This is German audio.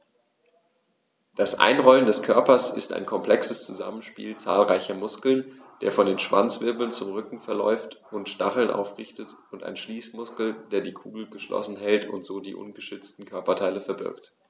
Das Einrollen des Körpers ist ein komplexes Zusammenspiel zahlreicher Muskeln, der von den Schwanzwirbeln zum Rücken verläuft und die Stacheln aufrichtet, und eines Schließmuskels, der die Kugel geschlossen hält und so die ungeschützten Körperteile verbirgt.